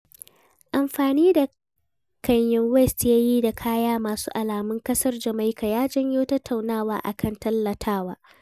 Amfani da Kanye West ya yi da kaya masu alamun ƙasar Jamaika ya janyo tattaunawa a kan "tallatawa".